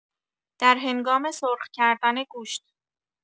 در هنگام سرخ کردن گوشت